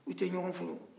u tɛ ɲɔgɔn furu